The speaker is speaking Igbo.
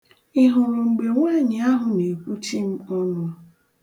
Ị hụrụ mgbe nwaanyị ahụ na-ekwuchi m ọnụ?